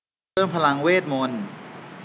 เพิ่มพลังเวทมนต์